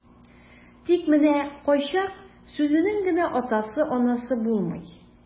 Тик менә кайчак сүзенең генә атасы-анасы булмый.